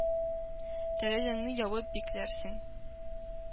Тәрәзәңне ябып бикләрсең.